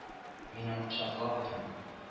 — мин аны кочаклап утырам